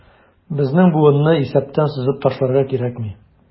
Безнең буынны исәптән сызып ташларга кирәкми.